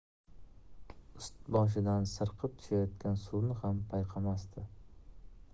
ust boshidan sirqib tushayotgan suvni ham payqamasdi